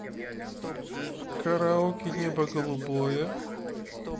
караоке небо голубое